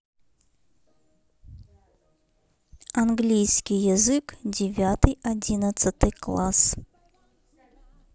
английский язык девятый одиннадцатый класс